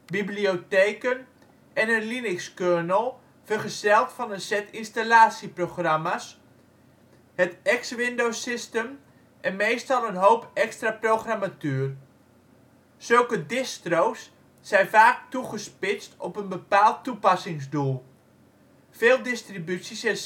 bibliotheken en een Linuxkernel, vergezeld van een set installatieprogramma 's, het X Window System en meestal een hoop extra programmatuur. Zulke distro 's zijn vaak toegespitst op een bepaald toepassingsdoel. Veel distributies zijn